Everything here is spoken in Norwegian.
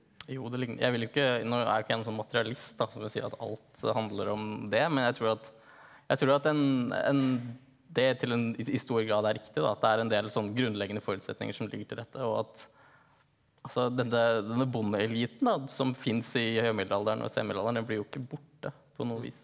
jo det jeg vil ikke nå er ikke jeg en sånn materialist da som vil si at alt handler om det men jeg tror at jeg tror at en en det til en i stor grad er riktig da at det er en del sånn grunnleggende forutsetninger som ligger til rette og at altså dette denne bondeeliten som fins i høymiddelalderen og senmiddelalderen den blir jo ikke borte på noe vis.